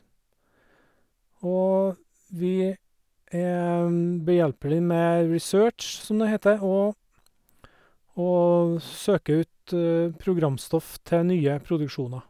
Og vi er behjelpelig med research, som det heter, og og søker ut programstoff til nye produksjoner.